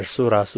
እርሱ ራሱ